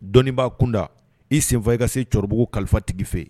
Dɔnnibaa kunda, i senfa i ka se Cɛrɔbugu kalifatigi fɛ yen.